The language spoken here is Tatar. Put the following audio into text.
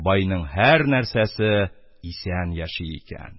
Байның һәр нәрсәсе исән яши икән.